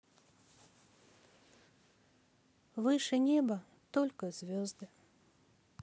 выше неба только звезды